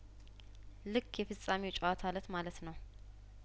ልክ የፍጻሜው ጨዋታ እለት ማለት ነው